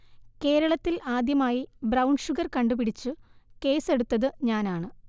കേരളത്തിൽ ആദ്യമായി 'brown sugar' കണ്ടുപിടിച്ചു, കേസ്സെടുത്തത് ഞാനാണ്